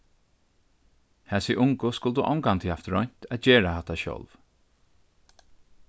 hasi ungu skuldu ongantíð havt roynt at gera hatta sjálv